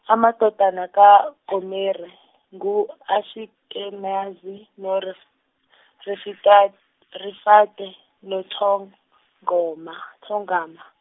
amadodana kaGomere, ngo- Ashikenazi, no- Refitat-, Rifate, noThongoma, noThongama.